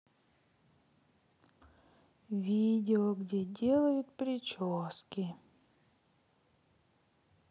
видео где делают прически